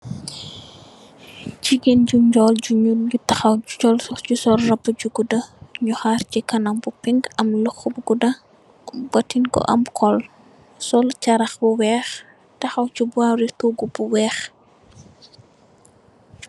Jigeen yu njol gi mugii taxaw sol róbbu ju gudda ñi xar ci kanam bu pink am loxo ju gudda button ko am kol. Sol carax ju wèèx taxaw ci bóri tóógu bu wèèx.